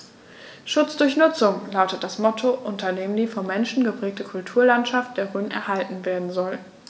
„Schutz durch Nutzung“ lautet das Motto, unter dem die vom Menschen geprägte Kulturlandschaft der Rhön erhalten werden soll.